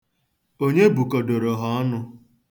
Onye bukọdoro ha ọnụ?